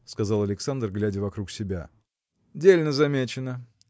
– сказал Александр, глядя вокруг себя. – Дельно замечено.